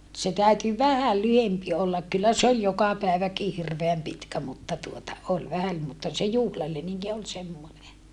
se täytyi vähän lyhempi olla kyllä se oli joka päiväkin hirveän pitkä mutta tuota oli vähän mutta se juhlaleninki oli semmoinen